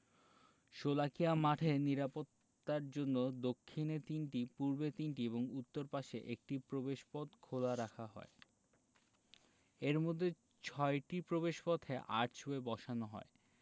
শোলাকিয়া মাঠের নিরাপত্তার জন্য দক্ষিণে তিনটি পূর্বে তিনটি এবং উত্তর পাশে একটি প্রবেশপথ খোলা রাখা হয় এর মধ্যে ছয়টি প্রবেশপথে আর্চওয়ে বসানো হয়